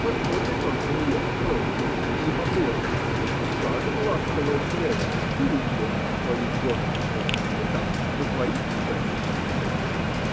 посмотрит он на нее кротко, не по-прежнему, скажет ласковое слово и уйдет в свою горницу, и там затворится и сидит один.